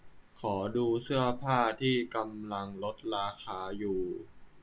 ขอดูเสื้อผ้าที่กำลังลดราคาอยู่